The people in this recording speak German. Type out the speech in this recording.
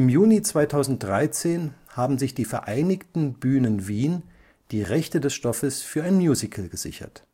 Juni 2013 haben sich die Vereinigten Bühnen Wien die Rechte des Stoffes für ein Musical gesichert